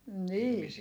niin